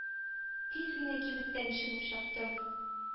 Тиз генә кибеттән чыгып чаптым.